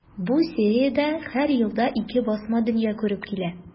Бу сериядә һәр елда ике басма дөнья күреп килә.